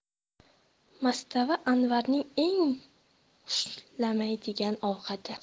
mastava anvarning eng xushlamaydigan ovqati